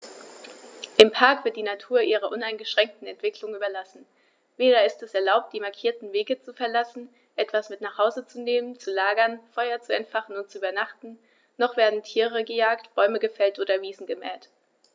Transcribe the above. Im Park wird die Natur ihrer uneingeschränkten Entwicklung überlassen; weder ist es erlaubt, die markierten Wege zu verlassen, etwas mit nach Hause zu nehmen, zu lagern, Feuer zu entfachen und zu übernachten, noch werden Tiere gejagt, Bäume gefällt oder Wiesen gemäht.